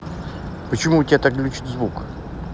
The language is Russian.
почему у тебя глючит звук